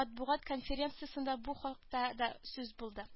Матбугат конференциясендә бу хакта да сүз булды